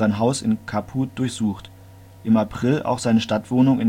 Haus in Caputh durchsucht, im April auch seine Stadtwohnung